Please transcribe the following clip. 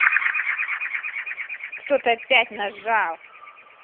кто то опять нажал